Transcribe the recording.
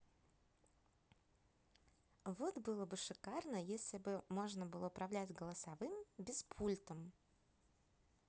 вот было бы шикарно если бы можно было управлять голосовым без пультом